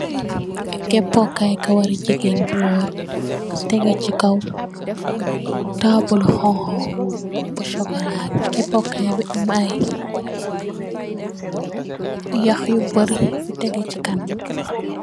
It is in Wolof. Kepor kai yei kawarri gegen bu worr tegeh si kog table xonxo bu sokola kepokai bi yak yu barre tegeh si kanam.